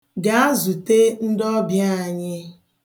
Gaa zute ndị ọbịa anyị.